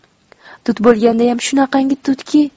tut bo'lgandayam shunaqangi tutki